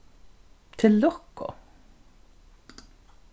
til lukku